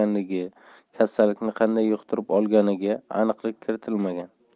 ekanligi kasallikni qanday yuqtirib olganiga aniqlik kiritilmagan